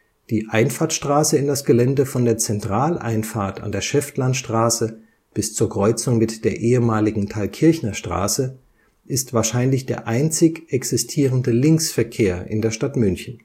Die Einfahrtstraße in das Gelände von der Zentraleinfahrt an der Schäftlarnstraße bis zur Kreuzung mit der ehemaligen Thalkirchner Straße ist wahrscheinlich der einzig existierende Linksverkehr in der Stadt München